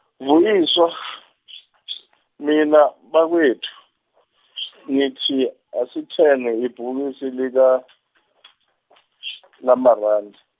Vuyiswa mina bakwethu ngithi asithenge ibhokisi lika lama- Randi.